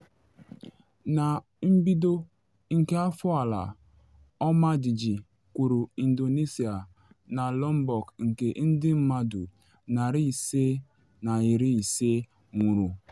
Na mbido nke afọ ala ọmajiji kụrụ Indonesia na Lombok nke ndị mmadụ 550 nwụrụ.